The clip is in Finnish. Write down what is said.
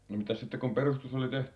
no mitäs sitten kun perustus oli tehty